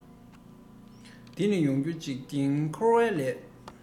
བཟང ན བཟང དང ངན ན ངན གྱིས ལན